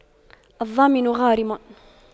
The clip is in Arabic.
الضامن غارم